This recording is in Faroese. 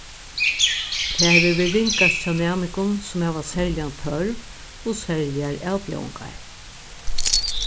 tað hevur verið ringast hjá næmingum sum hava serligan tørv og serligar avbjóðingar